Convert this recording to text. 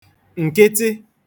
ǹkịtị